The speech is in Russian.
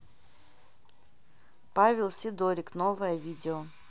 павел сидорик новое видео